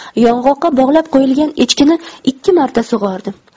yong'oqqa bog'lab qo'yilgan echkini ikki marta sug'ordim